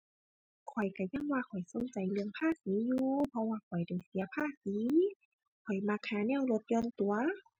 ข้อยก็ยังว่าข้อยสนใจเรื่องภาษีอยู่ เพราะว่าข้อยต้องเสียภาษี ข้อยมักหาแนวลดหย่อนตั่ว